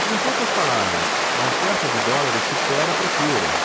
em poucas palavras a oferta de dólares supera a procura